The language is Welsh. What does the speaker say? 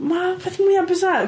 Mae o'r peth mwyaf bizarre